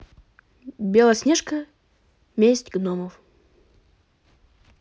белоснежка месть гномов